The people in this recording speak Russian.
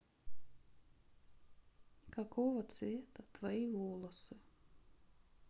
какого цвета твои волосы